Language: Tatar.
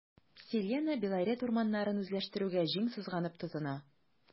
“селена” белорет урманнарын үзләштерүгә җиң сызганып тотына.